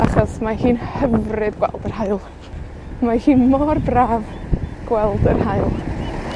Achos mae hi'n hyfryd gweld yr haul. Mae hi mor braf gweld yr haul.